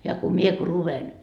ja kun minä kun luen